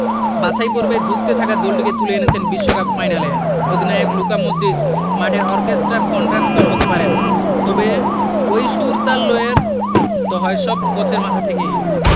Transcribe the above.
বাছাই পর্বে ধুঁকতে থাকা দলটিকে তুলে এনেছেন বিশ্বকাপ ফাইনালে অধিনায়ক লুকা মডরিচ মাঠের অর্কেস্ট্রার কন্ডাক্টর হতে পারেন তবে ওই সুর তাল লয়ের তো হয় সব কোচের মাথা থেকেই